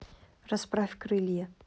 расправь крылья